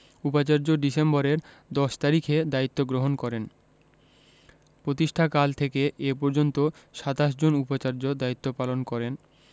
উপাচার্য ডিসেম্বরের ১০ তারিখে দায়িত্ব গ্রহণ করেন প্রতিষ্ঠাকাল থেকে এ পর্যন্ত ২৭ জন উপাচার্য দায়িত্ব পালন করেন